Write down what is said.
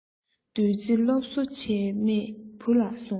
བདུད རྩིའི སློབ གསོ ཆད མེད བུ ལ གསུང